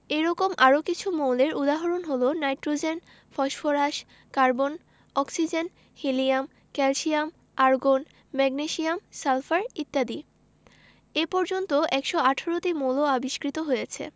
এরকম আরও কিছু মৌলের উদাহরণ হলো nitrogen phosphorus carbon oxygen helium calcium argon magnesium sulphur ইত্যাদি এ পর্যন্ত ১১৮টি মৌল আবিষ্কৃত হয়েছে